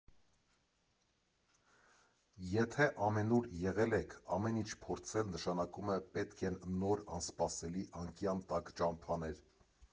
Եթե ամենուր եղել եք և ամեն ինչ փորձել, նշանակում է պետք են նոր, անսպասելի անկյան տակ ճամփաներ։